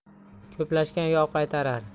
ko'plashgan yov qaytarar